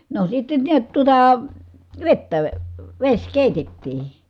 no sitten näet tuota vettä vesi keitettiin